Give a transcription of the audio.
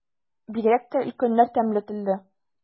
Бигрәк тә өлкәннәр тәмле телле.